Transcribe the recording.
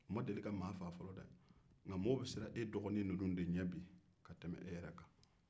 u ma deli ka maa faa fɔlɔ dɛ nka maaw bɛ siran e dɔgɔnin ninnu ɲɛ bi ka tɛmɛ e kan